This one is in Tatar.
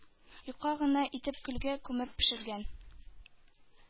Юка гына итеп көлгә күмеп пешергән